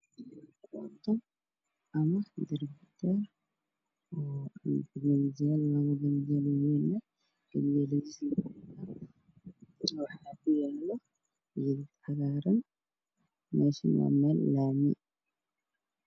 Waa darbi dheer oo labo ganjeel leh oo waaweyn kalarkiisu waa madow waxaa kuyaalo meel cagaaran meesha waa meel laami ah.